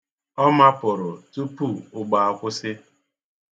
Ọ mapụrụ tupu ụgbọ akwụsị.